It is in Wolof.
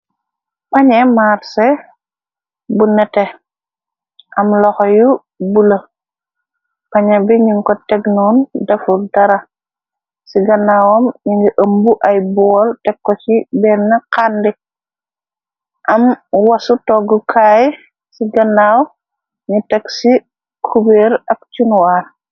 Pañe marse bu neteh am loxo yu bula pañw bi ñung ko tèg noon deful dara ci ganawam ñi ngi ëmbu ay bóól teko ci benna xandi am wasu toggukaay ci ganaw ñi ñgi teg ci kuberr ak cunnuwar.